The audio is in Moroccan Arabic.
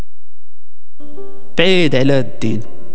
عيد علاء الدين